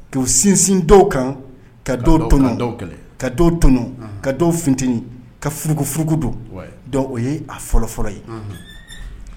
Ka u sinsin dɔw kan, ka dɔw tɔɲɔ dɔw kan , ka dɔw futeni, ka ftirukufuruku don donc o ye a fɔlɔ fɔlɔ ye